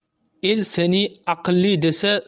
el seni aqlli desa